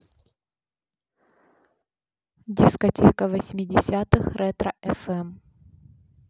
дискотека восьмидесятых ретро фм